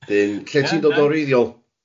Wedyn, lle ti'n dod o reiddiol?